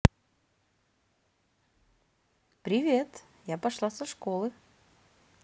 привет я пошла со школы